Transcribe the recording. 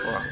waaw